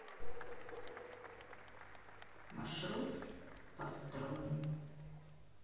маршрут построен